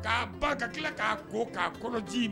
K'a ba ka tila k'a ko k'a kɔnɔji